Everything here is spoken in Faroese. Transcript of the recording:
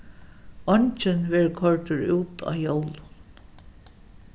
eingin verður koyrdur út á jólum